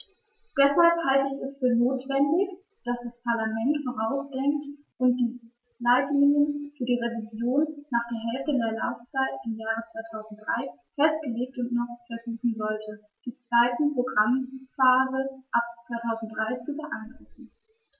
Deshalb halte ich es für notwendig, dass das Parlament vorausdenkt und die Leitlinien für die Revision nach der Hälfte der Laufzeit im Jahr 2003 festlegt und noch versuchen sollte, die zweite Programmphase ab 2003 zu beeinflussen.